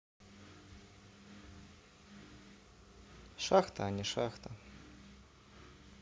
шахта а не шахта